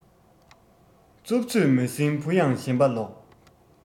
རྩུབ ཚོད མ ཟིན བུ ཡང ཞེན པ ལོག